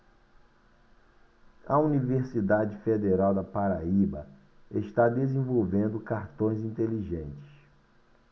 a universidade federal da paraíba está desenvolvendo cartões inteligentes